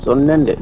sonn nañ de